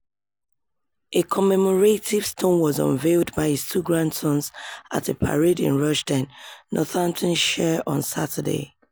A commemorative stone was unveiled by his two grandsons at a parade in Rushden, Northamptonshire, on Saturday.